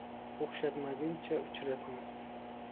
o'xshatmaguncha uchratmas